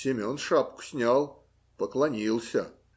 Семен шапку снял, поклонился.